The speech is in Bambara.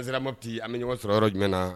An seramapi a ni ɲɔgɔn sɔrɔ yɔrɔ jumɛn na